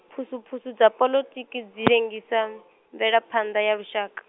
phusuphusu dza poḽotiki dzi lengisa, mvelaphanḓa ya lushaka.